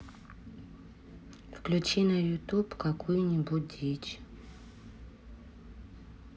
включи на ютуб какую нибудь дичь